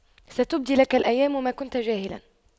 ستبدي لك الأيام ما كنت جاهلا